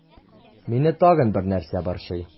Мине тагын бер нәрсә борчый.